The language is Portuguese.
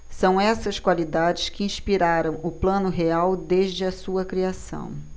são essas qualidades que inspiraram o plano real desde a sua criação